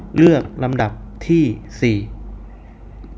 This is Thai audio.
เลือกลำดับที่สี่